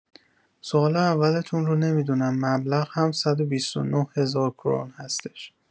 سوال اولتون رو نمی‌دونم مبلغ هم ۱۲۹ هزار کرون هستش